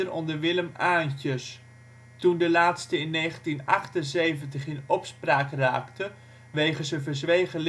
onder Willem Aantjes. Toen de laatste in 1978 in opspraak raakte wegens een verzwegen